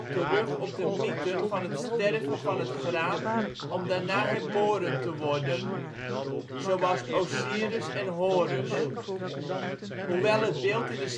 terug op de mythen van het ' sterven van het graan om daarna herboren te worden ', zoals Osiris en Horus. Hoewel het beeld in de Sint-Pietersbasiliek